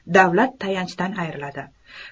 davlat tayanchidan ayriladi